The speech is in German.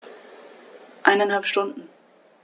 Eineinhalb Stunden